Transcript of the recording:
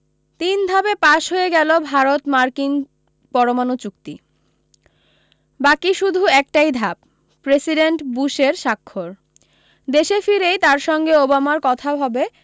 তিন ধাপে পাশ হয়ে গেল ভারত মার্কিন পরমাণু চুক্তি বাকী শুধু একটাই ধাপ প্রেসিডেন্ট বুশের সাক্ষর দেশে ফিরেই তাঁর সঙ্গে ওবামার কথা হবে